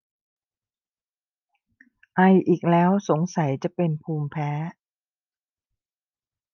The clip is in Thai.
ไออีกแล้วสงสัยจะเป็นภูมิแพ้